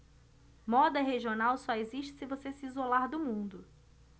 moda regional só existe se você se isolar do mundo